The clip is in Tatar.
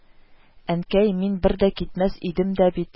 – әнкәй, мин бер дә китмәс идем дә бит